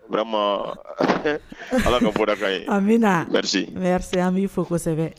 Ala ka fɔdaka ye an bɛna mɛri an b'i fɔ kosɛbɛ